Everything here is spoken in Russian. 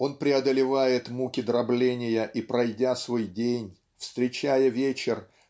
он преодолевает муки дробления и пройдя свой день встречая вечер